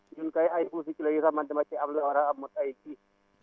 ñun kay ay mbuusi kilos yi man dama ci am lu war a mot ay six :fa